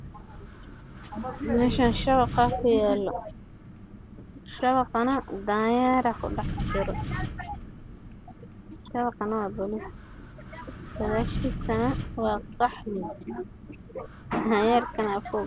Waa shabaq daanyeer ayaa ku jira madow ah